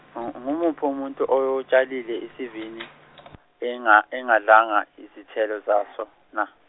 ng- ngumuphi umuntu otshalile isivini enga- engadlanga izithelo zaso na?